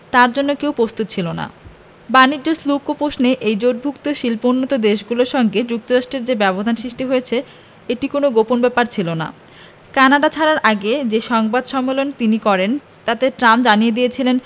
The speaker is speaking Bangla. তার জন্য কেউই প্রস্তুত ছিল না বাণিজ্য শুল্ক প্রশ্নে এই জোটভুক্ত শিল্পোন্নত দেশগুলোর সঙ্গে যুক্তরাষ্ট্রের যে ব্যবধান সৃষ্টি হয়েছে এটি কোনো গোপন ব্যাপার ছিল না কানাডা ছাড়ার আগে যে সংবাদ সম্মেলন তিনি করেন তাতে ট্রাম্প জানিয়ে দিয়েছিলেন